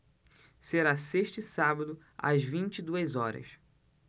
será sexta e sábado às vinte e duas horas